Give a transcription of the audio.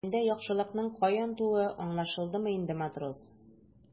Миндә яхшылыкның каян тууы аңлашылдымы инде, матрос?